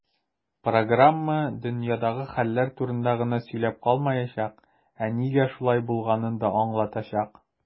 Программа "дөньядагы хәлләр турында гына сөйләп калмаячак, ә нигә шулай булганын да аңлатачак".